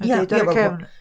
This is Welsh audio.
ma'n deud ar y cefn...